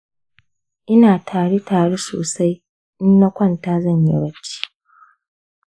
ina tari tari sosai inna kwanta zanyi bacci.